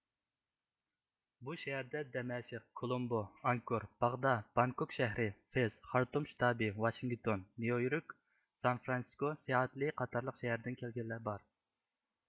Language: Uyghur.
بۇ شەھەردە دەمەشق كولومبو ئاڭكور باغدا بانگكوك شەھىرى فېز خارتۇم شتابى ۋاشىنگتون نيۇ يورك سان فرانسىسكو سېئاتتلې قاتارلىقلار قاتارلىق شەھەردىن كەلگەنلەر بار